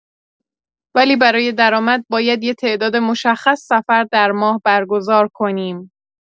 ولی برای درآمد باید یه تعداد مشخص سفر در ماه برگزار کنیم.